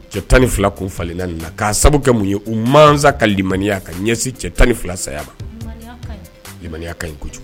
Cɛ tan ni fila ko falenla la'a sababu mun ye u mansa kalimaniya ka ɲɛsin cɛ tan ni fila saya mamaniya kan ɲi kojugu